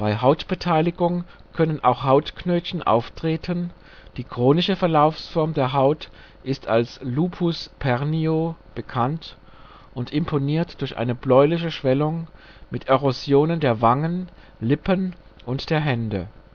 Hautbeteiligung können auch Hautknötchen auftreten, die chronische Verlaufsform der Haut ist als Lupus pernio bekannt und imponiert durch eine bläuliche Schwellung mit Erosionen der Wangen, Lippen und Hände. Die